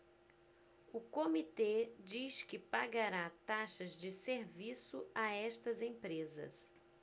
o comitê diz que pagará taxas de serviço a estas empresas